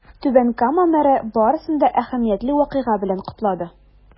Түбән Кама мэры барысын да әһәмиятле вакыйга белән котлады.